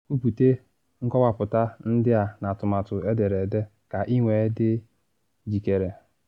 Kwupute nkọwapụta ndị a n’atụmatụ edere ede ka ị nwee dị njikere.